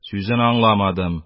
Сүзен аңламадым,